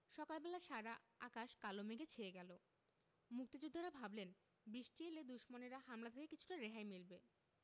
সকাল বেলা সারা আকাশ কালো মেঘে ছেয়ে গেল মুক্তিযোদ্ধারা ভাবলেন বৃষ্টি এলে দুশমনেরা হামলা থেকে কিছুটা রেহাই মিলবে